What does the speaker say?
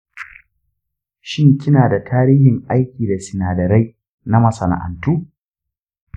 shin kina da tarihin aiki da sinadarai na masana’antu?